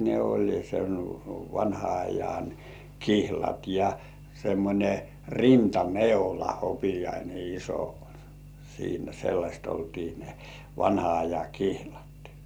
ne oli sen vanhan ajan kihlat ja semmoinen rintaneula hopeainen iso siinä sellaista oltiin ne vanhan ajan kihlat